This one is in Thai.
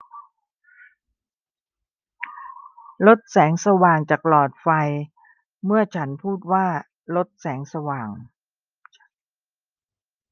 ลดแสงสว่างจากหลอดไฟเมื่อฉันพูดว่าลดแสงสว่าง